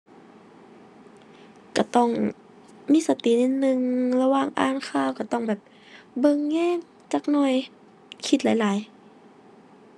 ก็ต้องมีสตินิดหนึ่ง ระหว่างอ่านข่าวก็ต้องแบบเบิ่งแยงจักหน่อย คิดหลายหลาย